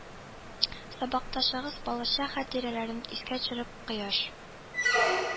Сабакташыгыз балачак хатирәләрен искә төшереп, кояш